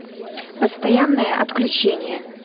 постоянное отключение